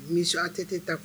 Misi a tɛ ta